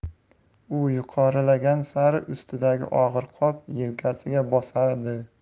u yuqorilagan sari ustidagi og'ir qop yelkasiga bosadi